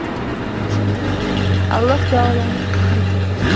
ana o'shanda olloyi taoloning qattiq qahri kepti